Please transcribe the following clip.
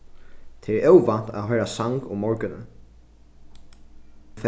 tað er óvant at hoyra sang um morgunin